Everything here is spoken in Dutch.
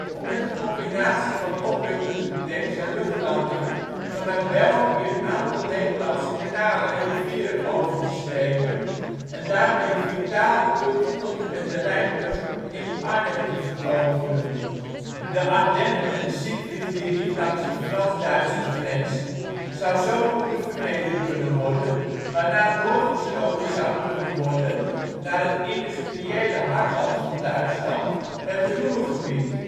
om met een combinatie van oprukkende tanks en luchtlandingen vanuit België een aantal Nederlandse kanalen en rivieren over te steken en daarmee vitale punten tot en met de Rijnbrug in Arnhem te veroveren. De Ardennen en de Siegfriedlinie langs de Franse-Duitse grens zou zodoende vermeden kunnen worden, waarna doorgestoten zou kunnen worden naar het industriële hartland van Duitsland, het Ruhrgebied